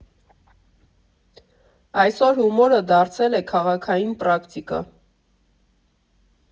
Այսօր հումորը դարձել է քաղաքային պրակտիկա։